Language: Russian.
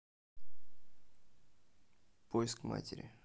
поиск матери